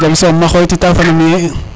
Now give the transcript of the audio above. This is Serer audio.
jam som mam o xoytita fo nam ne e